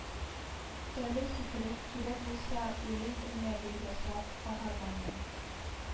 Тале сикереп, кирәк булса «үлем элмәге» ясап, каһарманның